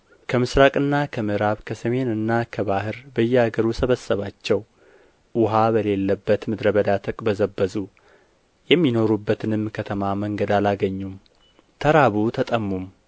ከምሥራቅና ከምዕራብ ከሰሜንና ከባሕር ከየአገሩ ሰበሰባቸው ውኃ በሌለበት ምድረ በዳ ተቅበዘበዙ የሚኖሩበትንም ከተማ መንገድ አላገኙም ተራቡ ተጠሙም